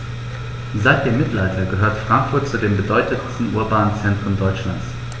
Seit dem Mittelalter gehört Frankfurt zu den bedeutenden urbanen Zentren Deutschlands.